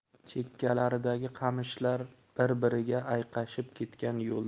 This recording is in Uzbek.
chekkalaridagi qamishlar bir biriga ayqashib